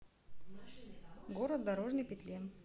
город в дорожной петле